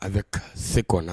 A bɛ se kɔnɔ